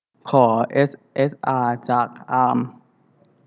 ขอเอสเอสอาจากอาม